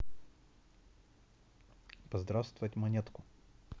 поздравствовать монетку